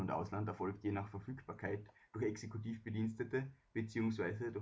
Ausland erfolgt je nach Verfügbarkeit durch Exekutivbedienstete bzw.